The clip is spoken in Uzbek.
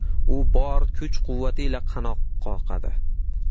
u bor kuch quvvati ila qanot qoqadi